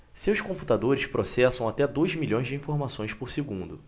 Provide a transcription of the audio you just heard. seus computadores processam até dois milhões de informações por segundo